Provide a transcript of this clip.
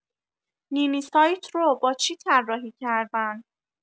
نی‌نی سایت رو با چی طراحی کردن؟